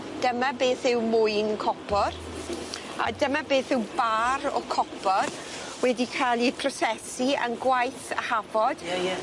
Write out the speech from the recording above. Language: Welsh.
Dyma beth yw mwyn copor a dyma beth yw bar o copor wedi ca'l 'i prosesu yn gwaith Hafod. Ie ie.